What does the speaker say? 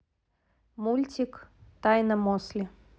мультик тайна мосли